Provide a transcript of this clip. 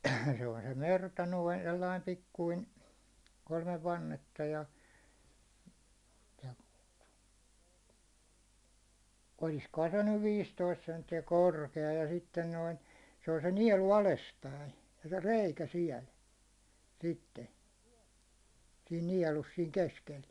se on se merta noin sellainen pikkuinen kolme vannetta ja ja olisikohan se nyt viisitoista senttiä korkea ja sitten noin se on se nielu alaspäin se reikä siellä sitten siinä nielussa siinä keskellä